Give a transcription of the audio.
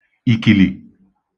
ìkìlì